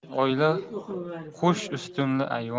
oila qo'sh ustunli ayvon